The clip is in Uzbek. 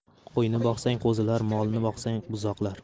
qo'yni boqsang qo'zilar molni boqsang buzoqlar